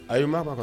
A ye maaba